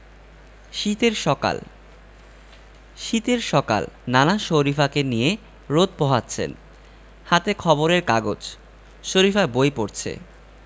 শীতের সকাল শীতের সকাল নানা শরিফাকে নিয়ে রোদ পোহাচ্ছেন হাতে খবরের কাগজ শরিফা বই পড়ছে